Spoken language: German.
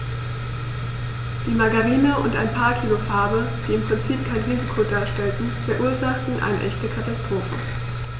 Die Margarine und ein paar Kilo Farbe, die im Prinzip kein Risiko darstellten, verursachten eine echte Katastrophe.